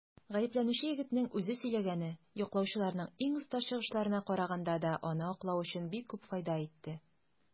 Гаепләнүче егетнең үзе сөйләгәне яклаучыларның иң оста чыгышларына караганда да аны аклау өчен бик күп файда итте.